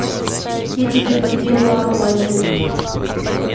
я тебя дела положи